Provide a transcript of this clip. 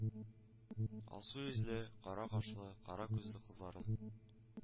Алсу йөзле, кара кашлы, кара күзле кызларын